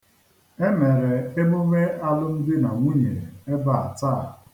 E mere emume alụmdinanwunye ebe a taa.